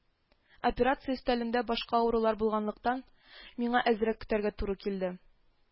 Операция өстәлендә башка авырулар булганлыктан, миңа әзрәк көтәргә туры килде